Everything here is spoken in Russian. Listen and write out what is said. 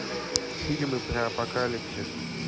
фильмы про апокалипсис